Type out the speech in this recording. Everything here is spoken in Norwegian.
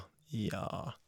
Ja.